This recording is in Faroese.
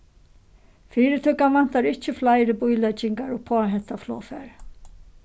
fyritøkan væntar ikki fleiri bíleggingar upp á hetta flogfarið